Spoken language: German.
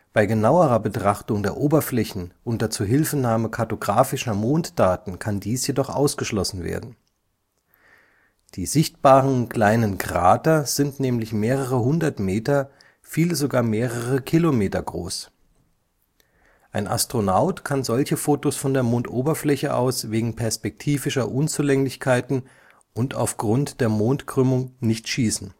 Bei genauerer Betrachtung der Oberflächen unter Zuhilfenahme kartografischer Monddaten kann dies jedoch ausgeschlossen werden. Die hier sichtbaren kleinen Krater sind nämlich mehrere Hunderte Meter, viele sogar mehrere Kilometer groß. Ein Astronaut kann solche Fotos von der Mondoberfläche aus wegen perspektivischer Unzulänglichkeiten und auf Grund der Mondkrümmung nicht schießen